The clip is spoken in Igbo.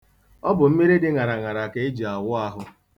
Ọ bụ mmiri dị ṅaraṅara ka e ji awụ ahụ.